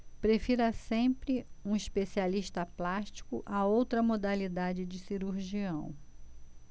prefira sempre um especialista plástico a outra modalidade de cirurgião